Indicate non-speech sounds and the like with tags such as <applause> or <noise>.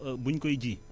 <hesitation> bu ñu koy ji